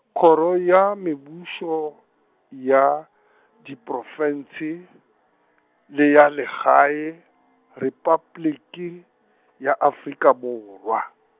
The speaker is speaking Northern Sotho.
Kgoro ya Mebušo, ya Diprofense, le ya Legae, Repabliki, ya Afrika Borwa.